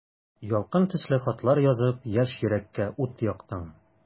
Ялкын төсле хатлар язып, яшь йөрәккә ут яктың.